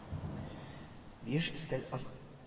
Биюш өстәл ас